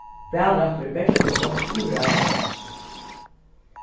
valrættur er bert fyri fólk yvir átjan ár